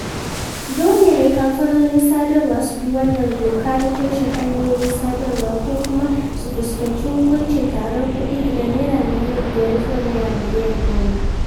Dole ne kamfanonin sadarwar su bi wannan doka ta toshe hanyoyin sadarwa ko kuma su fuskanci hukuncin tarar kuɗi daga naira miliyan 5 zuwa naira miliyan 10